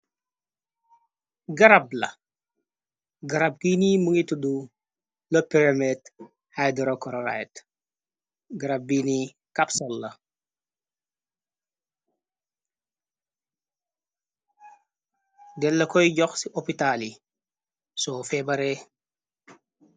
Garab la garab gini mungi tuddu lo pyramide hydrocoride. Garab biini capsul la della koy jox ci opitaal yi soo febare.